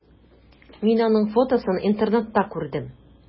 Мин аның фотосын интернетта күрдем.